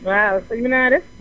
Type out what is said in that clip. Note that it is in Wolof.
waaw sëñ bi na nga def